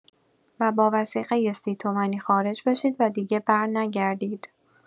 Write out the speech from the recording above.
و با وثیقه ۳۰ تومانی خارج بشید و دیگه برنگردید.